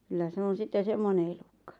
kyllä se on sitten semmoinen elukka